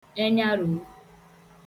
enyaròo